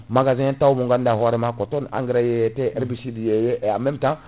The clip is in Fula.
magasin taw mo ganduɗa hoorema ko toon engrais yeyete herbicide yeeye et en même temps